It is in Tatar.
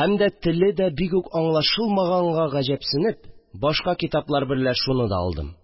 һәм дә теле дә бик аңлашылмаганга гаҗәпсенеп, башка китаплар берлә шуны да алдым